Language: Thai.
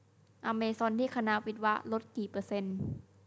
อเมซอนที่คณะวิศวะลดราคากี่เปอร์เซ็นต์